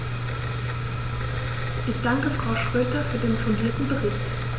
Ich danke Frau Schroedter für den fundierten Bericht.